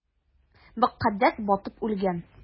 Мөкаддәс батып үлгән!